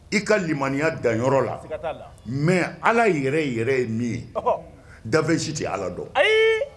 I ka lilimaya dan yɔrɔ la mais , allah yɛrɛ yɛrɛ ye min ye dafɛn si tɛ allah dɔn